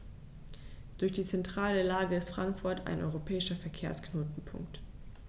Durch die zentrale Lage ist Frankfurt ein europäischer Verkehrsknotenpunkt.